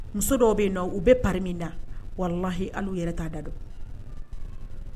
Muso dɔw bɛ yen nɔ u bɛ pari min na walahi hali u yɛrɛ t'a da don!